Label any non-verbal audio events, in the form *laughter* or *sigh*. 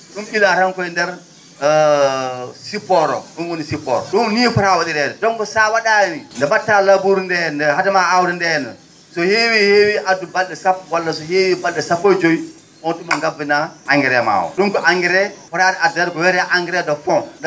?um ?ilaa tan ko he ndeer *hesitation* support o ?um woni support ?um ni fota wa?ireede donc so a wa?aani nde mba?ataa laboure ndee hadema aawde nde henna so heewi heewi addu bal?e sappo walla so heewi bal?e sappo e joyi on tuma ngabbinaa engrais ma o ?um ko engrais fataani addeede ko wiyetee engrais de pon